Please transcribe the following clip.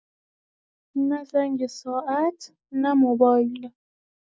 نه زنگ ساعت، نه موبایل.